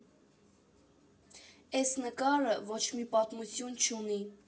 Էս նկարը ոչ մի պատմություն չունի։